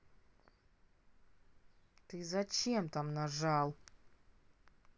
ты зачем там нажал